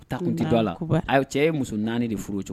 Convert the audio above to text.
U ta tun tɛ dɔ la a' cɛ ye muso naani de furu cogo